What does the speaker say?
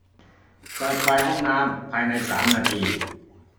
เปิดไฟห้องน้ำภายในสามนาที